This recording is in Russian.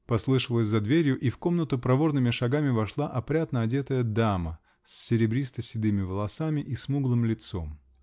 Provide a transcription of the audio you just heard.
-- послышалось за дверью -- и в комнату проворными шагами вошла опрятно одетая дама с серебристо-седыми волосами и смуглым лицом.